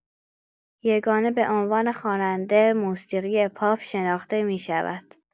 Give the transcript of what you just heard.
یگانه به عنوان خواننده موسیقی پاپ شناخته می‌شود.